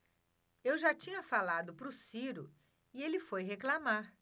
eu já tinha falado pro ciro que ele foi reclamar